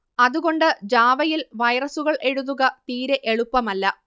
അതുകൊണ്ട് ജാവയിൽ വൈറസുകൾ എഴുതുക തീരെ എളുപ്പമല്ല